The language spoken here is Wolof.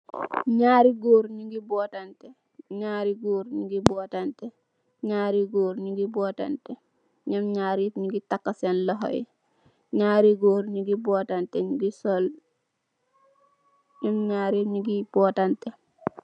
Ñaari gór ñugeh bottan deh, ñom ñaar ñap ñigih taka séén loko.